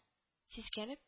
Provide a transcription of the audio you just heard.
Сискәнеп